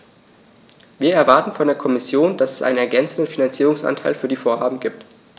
Wir erwarten von der Kommission, dass es einen ergänzenden Finanzierungsanteil für die Vorhaben gibt.